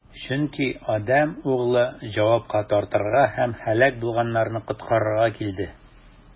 Чөнки Адәм Углы җавапка тартырга һәм һәлак булганнарны коткарырга килде.